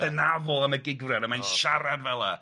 ...ynafol am y gigwraer a mae'n siarad fel'a.